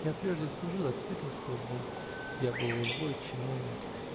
Я прежде служил, а теперь не служу. Я был злой чиновник.